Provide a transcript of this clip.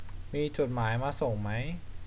มีจดหมายมาส่งมั้ย